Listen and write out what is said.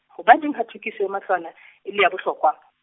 hobaneng ha tlhwekiso ya matlwana , e le ya bohlokwa ?